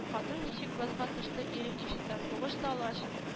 Хатын ничек базга төште, ире ишетә: сугыш, талаш